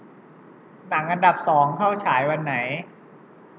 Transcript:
หนังอันดับสองเข้าฉายวันไหน